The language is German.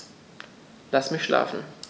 Lass mich schlafen